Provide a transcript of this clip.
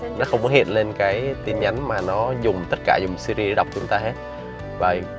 nó không có hiện lên cái tin nhắn mà nó dùng tất cả dùng xi ri nó đọc cho chúng ta hết và